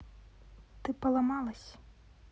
ты поломалась